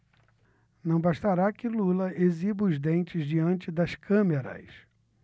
não bastará que lula exiba os dentes diante das câmeras